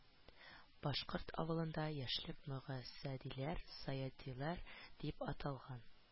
Башкорт авылында яшьлек мөгалсәгъдиләр, саадилар” дип аталган